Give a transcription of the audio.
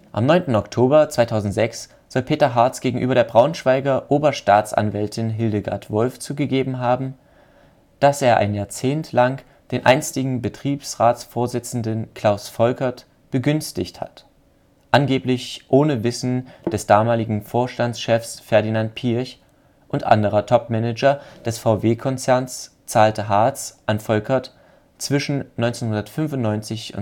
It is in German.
Am 9. Oktober 2006 soll Peter Hartz gegenüber der Braunschweiger Oberstaatsanwältin Hildegard Wolff zugegeben haben, dass er ein Jahrzehnt lang den einstigen Betriebsratsvorsitzenden Klaus Volkert „ begünstigt “hat. Angeblich ohne Wissen des damaligen Vorstandschefs Ferdinand Piëch und anderer Top-Manager des VW-Konzerns zahlte Hartz an Volkert zwischen 1995